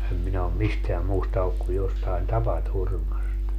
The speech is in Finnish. en minä ole mistään muusta ollut kuin jostakin tapaturmasta